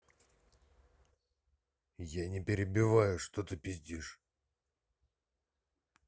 я не перебиваю что ты пиздишь